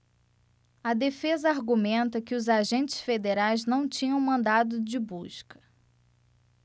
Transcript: a defesa argumenta que os agentes federais não tinham mandado de busca